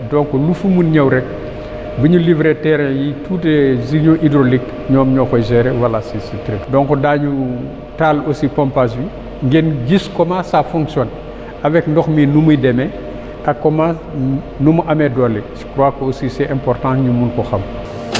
donc lu fi mun ñëw rek bu ñu livré terrains yi tous les unions hydrolique ñoom ñoo koy gérer voilà c' est * donc daañu taal aussi pompage ngeen gis comment ça fonctionne avec ndox mi nu muy demee ak comment nu mu amee doole je crois que aussi c' est important ñu mun ko xam